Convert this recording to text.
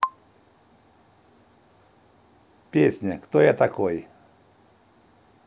песня кто я такой